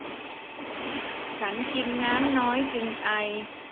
ฉันกินน้ำน้อยจึงไอ